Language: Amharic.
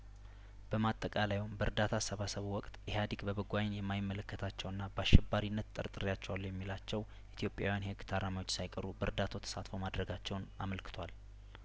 በማጠቃለያውም በእርዳታ አሰባሰቡ ወቅት ኢህአዲግ በበጐ አይን የማይመለከታቸውና በአሸባሪነት ጠርጥሬያቸዋለሁ የሚላቸው ኢትዮጵያውያን የህግ ታራሚዎች ሳይቀሩ በእርዳታው ተሳትፎ ማድረጋቸውን አመልክቷል